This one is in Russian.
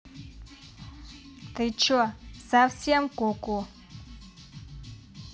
ты чего совсем куку